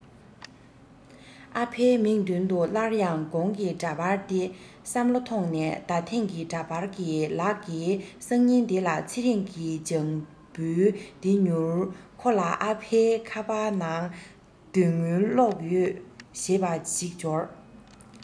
ཨ ཕའི མིག མདུན དུ སླར ཡང གོང གི འདྲ པར དེ བསམ བློ ཐོངས ནས ད ཐེངས ཀྱི འདྲ པར གྱི ལག གི སང ཉིན དེ ལ ཚེ རིང གི བྱང བུའི དེ མྱུར ཁོ ལ ཨ ཕའི ཁ པ ནང དོན དངུལ བླུག ཡོད ཞེས པ ཞིག འབྱོར